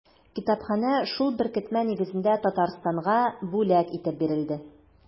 Китапханә шул беркетмә нигезендә Татарстанга бүләк итеп бирелде.